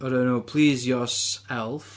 O'r enw please your self.